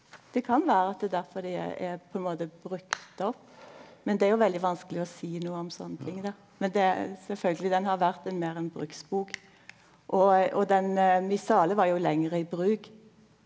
det kan vere at det er derfor dei er er på ein måte brukt opp, men det er jo veldig vanskeleg å seie noko om sånne ting då men det er sjølvsagt den har vore ein meir ein bruksbok og og den Missale var jo lenger i bruk.